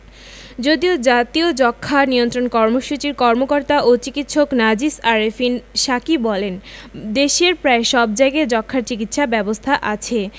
যদিও জাতীয় যক্ষ্মা নিয়ন্ত্রণ কর্মসূচির কর্মকর্তা ও চিকিৎসক নাজিস আরেফিন সাকী বলেন দেশের প্রায় সব জায়গায় যক্ষ্মার চিকিৎসা ব্যবস্থা আছে